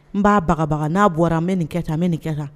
N b'a bagabaga n'a bɔra n bɛ nin kɛ tan, n bɛ nin kɛ tan.